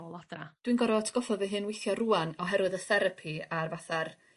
...nôl adra. Dwi'n gor'o' atgoffa fy hyn weithio rŵan oherwydd y therapi a'r fatha'r